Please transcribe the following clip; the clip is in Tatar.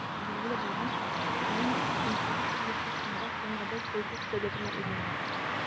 Билгеле булганча, Пакыстанның көнчыгыш өлеше соңрак Бангладеш бәйсез дәүләтенә әйләнә.